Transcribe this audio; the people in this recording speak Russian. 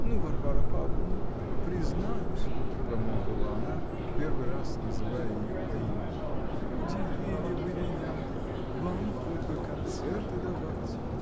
-- Ну, Варвара Павловна, признаюсь, -- промолвила она, в первый раз называя ее по имени, -- удивили вы меня вам хоть бы концерты давать.